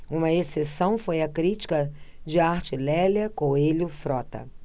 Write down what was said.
uma exceção foi a crítica de arte lélia coelho frota